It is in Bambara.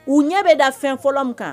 U ɲɛ bɛ da fɛn fɔlɔ mi